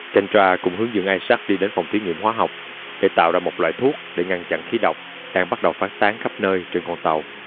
kendra cũng hướng dẫn isaac đi đến phòng thí nghiệm hóa học để tạo ra một loại thuốc để ngăn chặn khí độc đang bắt đầu phát tán khắp nơi trên con tàu